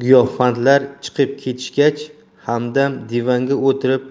giyohvandlar chiqib ketishgach hamdam divanga o'tirib